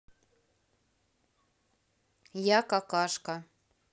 я какашка